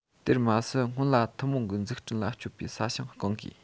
དེར མ ཟད སྔོན ལ ཐུན མོང གི འཛུགས སྐྲུན ལ སྤྱོད པའི ས ཞིང བསྐང དགོས